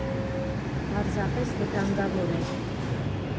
Պարզապես վտանգավոր էր։